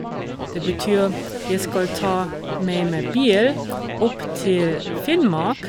Det betyr, jeg skal ta med meg bil opp til Finnmark.